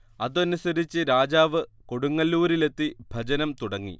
അതനുസരിച്ച് രാജാവ് കൊടുങ്ങല്ലൂരിലെത്തി ഭജനം തുടങ്ങി